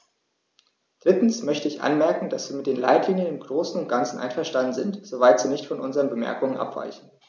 Drittens möchte ich anmerken, dass wir mit den Leitlinien im großen und ganzen einverstanden sind, soweit sie nicht von unseren Bemerkungen abweichen.